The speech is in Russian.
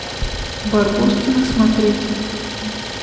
барбоскины смотреть